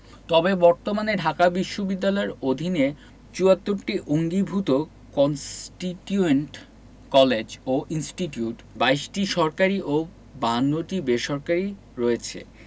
তবে বর্তমানে ঢাকা বিশ্ববিদ্যালয়ের অধীনে ৭৪টি অঙ্গীভুত কন্সটিটিউয়েন্ট কলেজ ও ইনস্টিটিউট ২২টি সরকারি ও ৫২টি বেসরকারি রয়েছে